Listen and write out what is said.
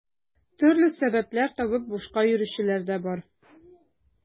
Төрле сәбәпләр табып бушка йөрүчеләр дә бар.